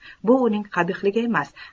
bu uning qabihligi emas